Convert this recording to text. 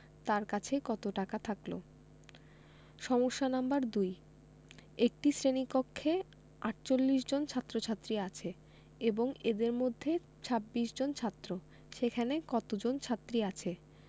তার কাছে কত টাকা থাকল সমস্যা নাম্বার ২ একটি শ্রেণি কক্ষে ৪৮ জন ছাত্ৰ-ছাত্ৰী আছে এবং এদের মধ্যে ২৬ জন ছাত্র সেখানে কতজন ছাত্রী আছে